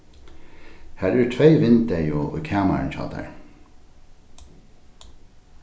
har eru tvey vindeygu í kamarinum hjá tær